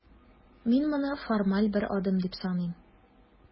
Мин моны формаль бер адым дип саныйм.